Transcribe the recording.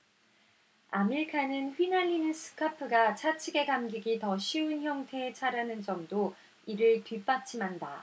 아밀카는 휘날리는 스카프가 차축에 감기기 더 쉬운 형태의 차라는 점도 이를 뒷받침한다